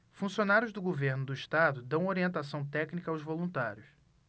funcionários do governo do estado dão orientação técnica aos voluntários